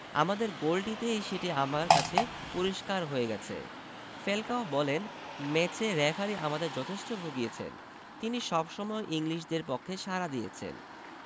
আমাদের গোলটিতেই সেটি আমার কাছে পরিস্কার হয়ে গেছে ফ্যালকাও বলেন ম্যাচে রেফারি আমাদের যথেষ্ট ভুগিয়েছেন তিনি সবসময় ইংলিশদের পক্ষে সাড়া দিয়েছেন